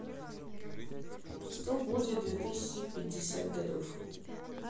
что будет две тысячи пятьдесят годов